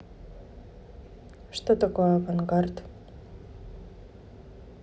что такое авангард